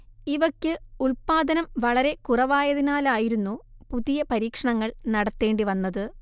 ഇവക്ക് ഉത്പാദനം വളരെക്കുറവായതിനാലായിരുന്നു പുതിയ പരീക്ഷണങ്ങൾ നടത്തേണ്ടി വന്നത്